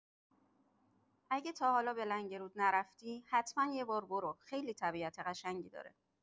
اگه تا حالا به لنگرود نرفتی، حتما یه بار برو، خیلی طبیعت قشنگی داره.